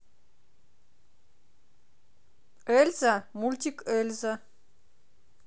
эльза мультик эльза